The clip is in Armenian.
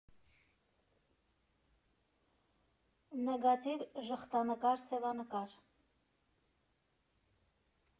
Նեգատիվ, ժխտանկար, սևանկար։